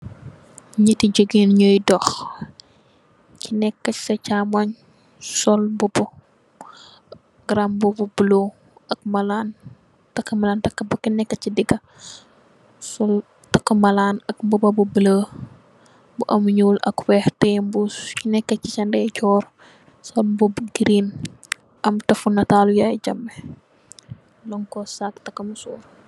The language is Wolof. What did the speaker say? Niati jigee"n ye doh koneka si chamon' sol bobu garam bobu blue ak malan' takamalan koneka si dega takamalan' bo blue tak ak morsor koneka si denjor sol bubu bo werteh bu am yaya jammeh.